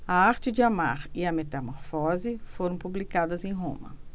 a arte de amar e a metamorfose foram publicadas em roma